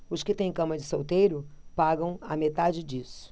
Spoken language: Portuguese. os que têm cama de solteiro pagam a metade disso